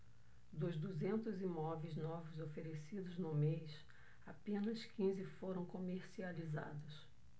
dos duzentos imóveis novos oferecidos no mês apenas quinze foram comercializados